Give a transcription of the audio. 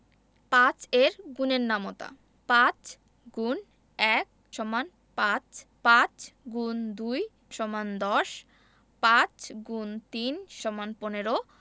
৫ এর গুণের নামতা ৫× ১ = ৫ ৫× ২ = ১০ ৫× ৩ = ১৫